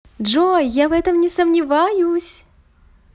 джой я в этом не сомневаюсь